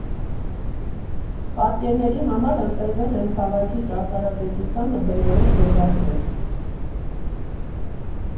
Պատկերների համար ընտրվել են քաղաքի ճարտարապետությանը բնորոշ դրվագներ.